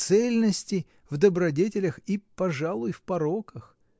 цельности в добродетелях и, пожалуй, в пороках!